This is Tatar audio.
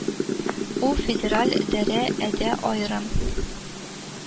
Ул федераль дәрә әдә аерым